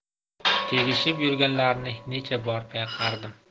tegishib yurganlarini necha bor payqardim